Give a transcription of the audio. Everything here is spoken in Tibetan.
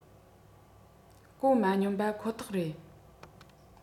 གོ མ མྱོང པ ཁོ ཐག རེད